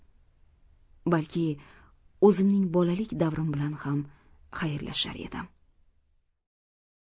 balki o'zimning bolalik davrim bilan ham xayrlashar edim